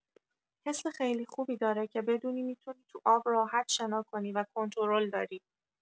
حس خیلی خوبی داره که بدونی می‌تونی تو آب راحت شنا کنی و کنترل داری.